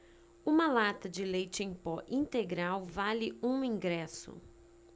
uma lata de leite em pó integral vale um ingresso